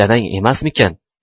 dadang emasmikan